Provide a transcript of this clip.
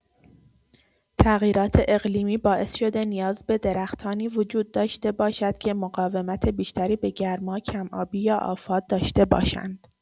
تغییرات اقلیمی باعث شده نیاز به درختانی وجود داشته باشد که مقاومت بیشتری به گرما، کم‌آبی یا آفات داشته باشند.